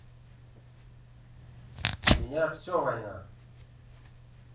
у меня все война